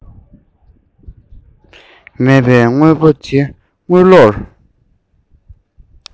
མེད པའི དངོས པོ དེ དངུལ ལོར